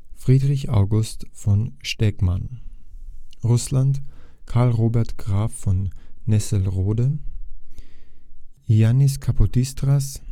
Friedrich August von Staegemann Russland Karl Robert Graf von Nesselrode – Ioannis Kapodistrias